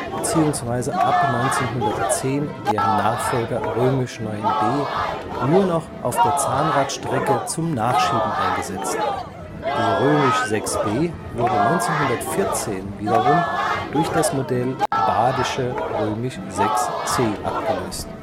beziehungsweise ab 1910 deren Nachfolger IX b nur noch auf der Zahnradradstrecke zum Nachschieben eingesetzt. Die VI b wurde 1914 wiederum durch das Modell Badische VI c abgelöst